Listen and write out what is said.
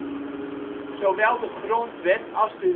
Zowel de grondwet als de